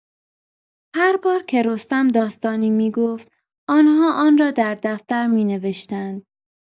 هر بار که رستم داستانی می‌گفت، آن‌ها آن را در دفتر می‌نوشتند.